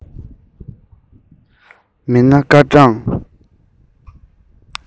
མིན ན སྐར གྲངས